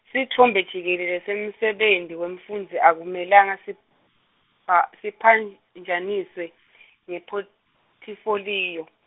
sitfombe jikelele semsebenti wemfundzi akumelanga sipha- siphanjaniswe nephothifoliyo.